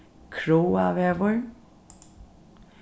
kráavegur